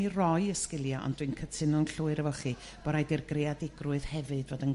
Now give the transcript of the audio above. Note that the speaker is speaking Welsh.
ni roi y sgilie ond dwi'n cytuno'n llwyr efo chi bo' raid i'r greadigrwydd hefyd fod yn